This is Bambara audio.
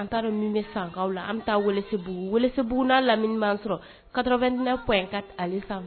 An t'a dɔn min bɛ Sankaw la, an bɛ taa Welesebugu, Welesebugu n'a lamini b'an sɔrɔ 89 ale.4.kan.